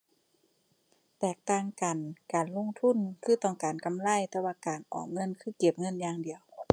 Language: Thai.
แตกต่างกัน การลงทุนคือต้องการกำไร แต่ว่าการออมเงินคือเก็บเงินอย่างเดียว